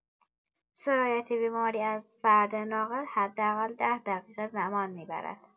سرایت بیماری از فرد ناقل حداقل ۱۰ دقیقه زمان می‌برد.